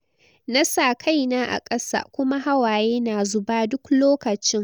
“Nasa kaina a kasa, kuma hawaye na zuba duk lokacin.